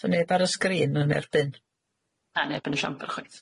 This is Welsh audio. Hmm. So neb ar y sgrin yn erbyn? Na neb yn y siamber chwaith.